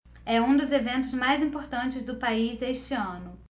é um dos eventos mais importantes do país este ano